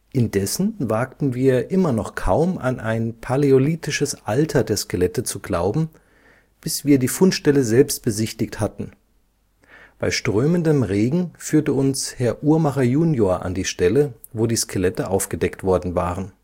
Indessen wagten wir noch immer kaum an ein paläolithisches Alter der Skelette zu glauben, bis wir die FundsteIle selbst besichtigt hatten. Bei strömendem Regen führte uns Herr Uhrmacher jun. an die Stelle, wo die Skelette aufgedeckt worden waren